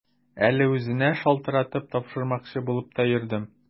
Әле үзенә шалтыратып, тапшырмакчы булып та йөрдем.